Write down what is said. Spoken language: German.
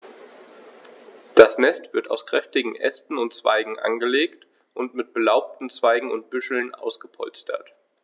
Das Nest wird aus kräftigen Ästen und Zweigen angelegt und mit belaubten Zweigen und Büscheln ausgepolstert.